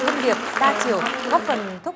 điệp đa chiều góp phần thúc